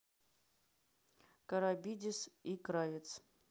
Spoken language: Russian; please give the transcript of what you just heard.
карибидис и кравец